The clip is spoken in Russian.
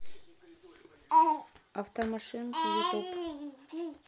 автомашинки ютуб